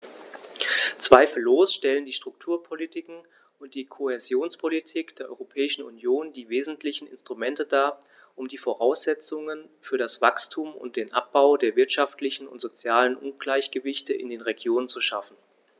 Zweifellos stellen die Strukturpolitiken und die Kohäsionspolitik der Europäischen Union die wesentlichen Instrumente dar, um die Voraussetzungen für das Wachstum und den Abbau der wirtschaftlichen und sozialen Ungleichgewichte in den Regionen zu schaffen.